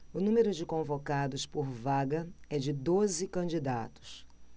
o número de convocados por vaga é de doze candidatos